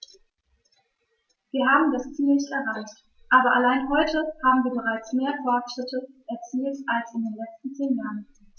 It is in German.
Wir haben das Ziel nicht erreicht, aber allein heute haben wir bereits mehr Fortschritte erzielt als in den letzten zehn Jahren.